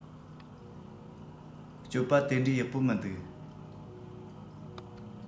སྤྱོད པ དེ འདྲའི ཡག པོ མི འདུག